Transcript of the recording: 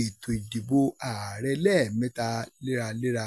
ètò ìdìbò ààrẹ lẹ́ẹ̀mẹ́ta léraléra.